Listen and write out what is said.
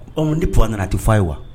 Ɔ di p a nana a tɛ fɔ ye wa